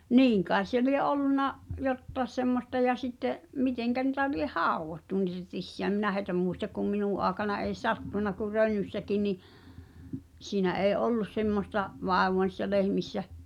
niin kai se lie ollut jotakin semmoista ja sitten miten niitä lie haudottu niitä tissiä en minä heitä muista kun minun aikana ei sattunut kun Rönnyssäkin niin siinä ei ollut semmoista vaivaa niissä lehmissä